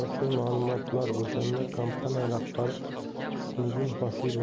asosiy ma'lumotlaro'shanda kompaniya rahbari husniddin hosilov